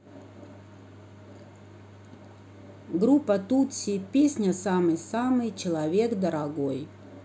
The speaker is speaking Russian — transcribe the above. группа тутси песня самый самый человек дорогой